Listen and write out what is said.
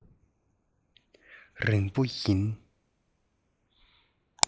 རིང པོ ཡིན